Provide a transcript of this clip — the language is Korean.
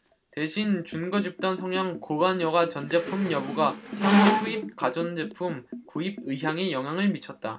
대신 준거집단 성향 고관여가전제품 여부가 향후수입 가전제품 구입 의향에 영향을 미쳤다